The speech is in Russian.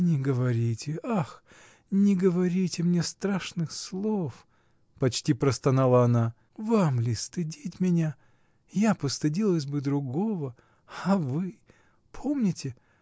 — Не говорите, ах, не говорите мне страшных слов. — почти простонала она. — Вам ли стыдить меня? Я постыдилась бы другого. А вы! Помните?.